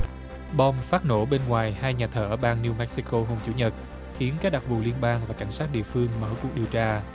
bom phát nổ bên ngoài hay nhà thờ ở bang niu mê xi cô hôm chủ nhật khiến các đặc vụ liên bang và cảnh sát địa phương mở cuộc điều tra